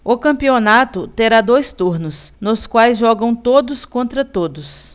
o campeonato terá dois turnos nos quais jogam todos contra todos